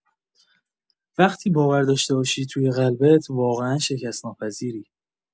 وقتی باور داشته باشی توی قلبت، واقعا شکست‌ناپذیری.